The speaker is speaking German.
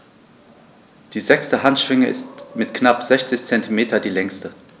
Die sechste Handschwinge ist mit knapp 60 cm die längste.